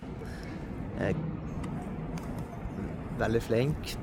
veldig flink.